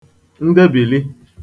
ndebìli